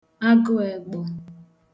agụ egbọ̄